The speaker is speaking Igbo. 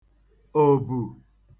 òbù